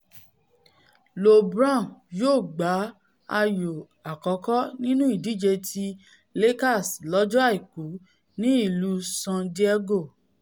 LeBron yóò gba ayò àkọ́kọ́ nínú ìdíje ti Lakers lọ́jọ́ Àìkú ni ìlú San Diego.